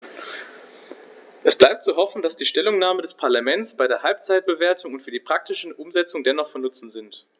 Es bleibt zu hoffen, dass die Stellungnahmen des Parlaments bei der Halbzeitbewertung und für die praktische Umsetzung dennoch von Nutzen sind.